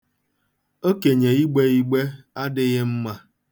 Okenye igbe igbe adịghị mma.